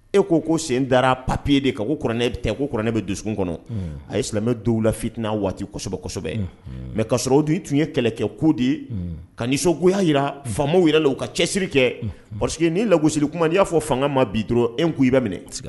E ko ko sen dara papiye de ko kɛ tɛ ko kuranɛ bɛ dusukun kɔnɔ a ye silamɛmɛ dɔw la fit' waati kosɛbɛ kosɛbɛ mɛ kasɔrɔ o dun tun ye kɛlɛ kɛ ko de ye ka nisɔngoya jira faama wulila la u ka cɛsiri kɛ ni lagosirikuma na i y'a fɔ fanga ma bii dɔrɔn e k i bɛ minɛ